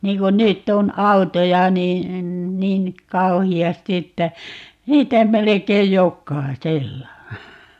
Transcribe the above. niin kun nyt on autoja niin niin kauheasti että niitä melkein jokaisella